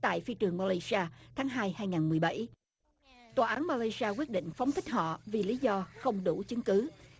tại phi trường ma lai si a tháng hai hai ngàn mười bảy tòa án ra quyết định phóng thích họ vì lý do không đủ chứng cứ